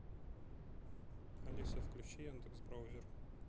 алиса включи яндекс браузер